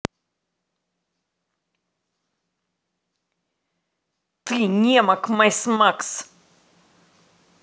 ты немок майсмакс